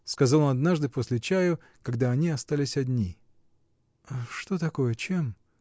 — сказал он однажды после чаю, когда они остались одни. — Что такое, чем?